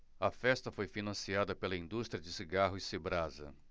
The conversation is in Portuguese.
a festa foi financiada pela indústria de cigarros cibrasa